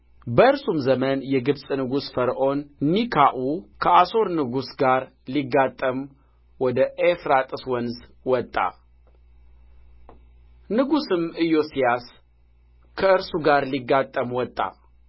በእርሱም ዘመን የግብጽ ንጉሥ ፈርዖን ኒካዑ ከአሦር ንጉሥ ጋር ሊጋጠም ወደ ኤፍራጥስ ወንዝ ወጣ ንጉሡም ኢዮስያስ ከእርሱ ጋር ሊጋጠም ወጣ